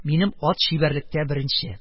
Минем ат чибәрлектә беренче: